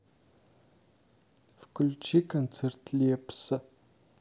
включи концерт лепса